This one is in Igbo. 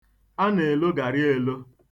A na-elo garị elo.